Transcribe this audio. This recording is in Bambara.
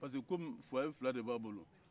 parce que kɔmi fuwaye fila de b'a bolo